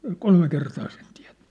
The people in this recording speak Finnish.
ja kolme kertaa sen teette